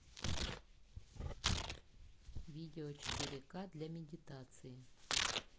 видео четыре к для медитации